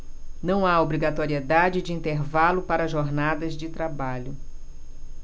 não há obrigatoriedade de intervalo para jornadas de trabalho